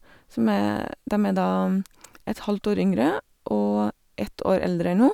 som er Dem er da et halvt år yngre og ett år eldre enn ho.